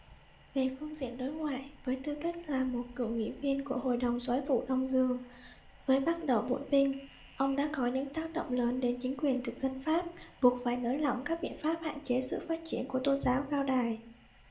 về phương diện đối ngoại với tư cách là một cựu nghị viên của hội đồng soái phủ đông dương với bắc đẩu bội tinh ông đã có những tác động lớn đến chính quyền thực dân pháp buộc phải nới lỏng các biện pháp hạn chế sự phát triển của tôn giáo cao đài